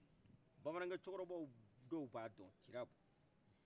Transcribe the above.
bamanan kɛ cɔkɔrɔba dɔ ba dɔn